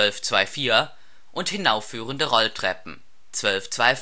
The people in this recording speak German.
1224) und hinauf führende Rolltreppen (1225